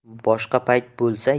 boshqa payt bo'lsa